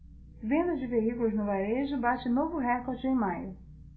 venda de veículos no varejo bate novo recorde em maio